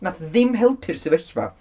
Wnaeth ddim helpu'r sefyllfa.